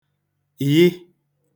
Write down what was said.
-ghị